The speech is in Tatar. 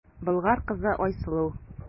Болгар кызы Айсылу.